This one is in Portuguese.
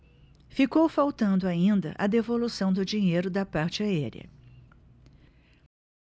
ficou faltando ainda a devolução do dinheiro da parte aérea